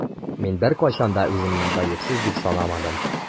Мин беркайчан да үземне гаепсез дип санамадым.